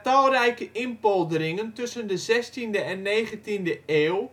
talrijke inpolderingen tussen de zestiende en negentiende eeuw